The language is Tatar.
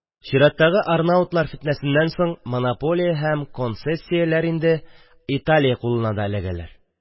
Чираттагы арнаутлар фетнәсеннән соң монополия һәм концессияләр инде Италия кулына да эләгәләр.